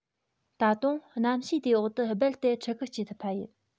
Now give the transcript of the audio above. ད དུང གནམ གཤིས དེའི འོག ཏུ རྦད དེ ཕྲུ གུ སྐྱེ ཐུབ པ ཡིན